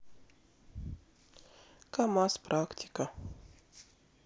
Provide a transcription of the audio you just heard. камаз практика